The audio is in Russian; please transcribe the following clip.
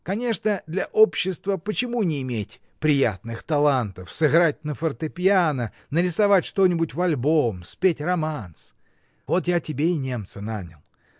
Конечно, для общества почему не иметь приятных талантов: сыграть на фортепиано, нарисовать что-нибудь в альбом, спеть романс?. Вот я тебе и немца нанял.